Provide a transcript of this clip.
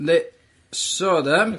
Yndi, so then...